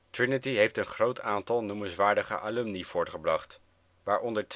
Trinity heeft een groot aantal noemenswaardige alumni voortgebracht, waaronder